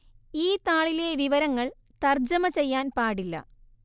ഈ താളിലെ വിവരങ്ങൾ തർജ്ജമ ചെയ്യാൻ പാടില്ല